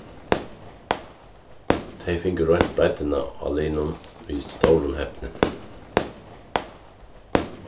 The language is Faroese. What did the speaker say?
tey fingu roynt breiddina á liðinum við stórum hepni